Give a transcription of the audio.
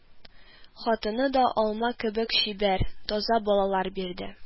Хатыны да алма кебек чибәр, таза балалар бирде